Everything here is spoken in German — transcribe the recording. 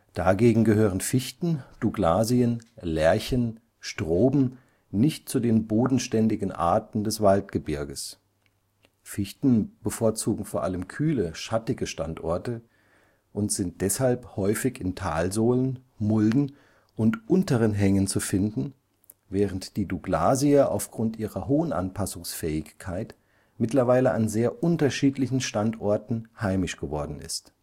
Dagegen gehören Fichten, Douglasien, Lärchen, Weymouthskiefern nicht zu den bodenständigen Arten des Waldgebirges. Fichten bevorzugen vor allem kühle, schattige Standorte und sind deshalb häufig in Talsohlen, Mulden und unteren Hängen zu finden, während die Douglasie aufgrund ihrer hohen Anpassungsfähigkeit mittlerweile an sehr unterschiedlichen Standorten heimisch geworden ist